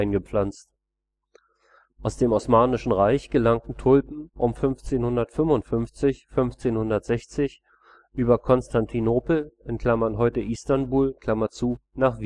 gepflanzt. Aus dem Osmanischen Reich gelangten Tulpen um 1555 – 60 über Konstantinopel (heute Istanbul) nach Wien